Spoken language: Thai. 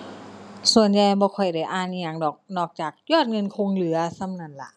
ส่วนใหญ่บ่ค่อยได้อ่านอิหยังดอก นอกจากยอดเงินคงเหลือ ส่ำนั้นล่ะ